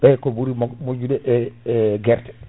eyy ko ɓuuri makko moƴƴude e e guerte